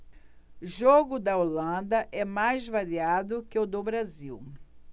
jogo da holanda é mais variado que o do brasil